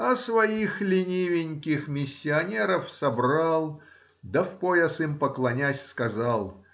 а своих ленивеньких миссионеров собрал да, в пояс им поклонясь, сказал